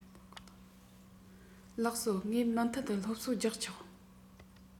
ལགས སོ ངས མུ མཐུད དུ སློབ གསོ རྒྱབ ཆོག